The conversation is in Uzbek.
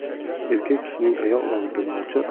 erkak kishining ayol oldida nochor